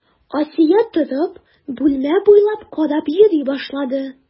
Асия торып, бүлмә буйлап карап йөри башлады.